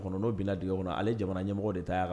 Kɔnɔ bin d kɔnɔ ale ye jamana ɲɛmɔgɔ de ta